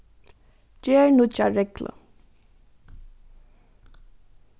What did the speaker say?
ger nýggja reglu